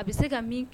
A bɛ se ka min